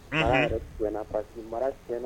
Mara yɛrɛ tiɲɛna parceque mara tiɲɛna